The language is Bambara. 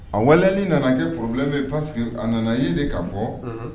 A waleyali nana kɛ problème ye parce que a nana ye de k'a fɔ